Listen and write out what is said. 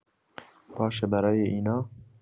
باشه برای اینا؟